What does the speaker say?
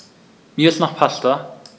Mir ist nach Pasta.